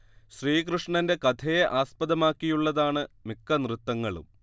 ശ്രീകൃഷ്ണന്റെ കഥയെ ആസ്പദമാക്കിയുള്ളതാണ് മിക്ക നൃത്തങ്ങളും